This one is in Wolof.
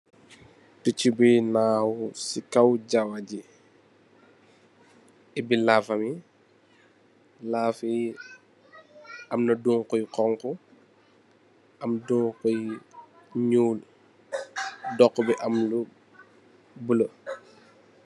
Picci bi naw ci kaw jaawo ji upii laafam yi, laaf yi am na dunku yu xonxu, am dunku yu ñuul, doxxa ngi am lu bula.